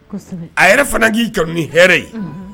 A yɛrɛ fana k'i jɔ ni hɛrɛ ye